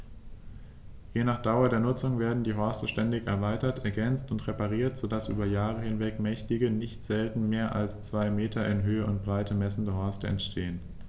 Je nach Dauer der Nutzung werden die Horste ständig erweitert, ergänzt und repariert, so dass über Jahre hinweg mächtige, nicht selten mehr als zwei Meter in Höhe und Breite messende Horste entstehen.